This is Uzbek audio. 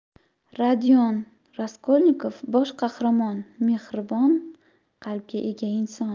rodion raskolnikov bosh qahramon mehribon qalbga ega inson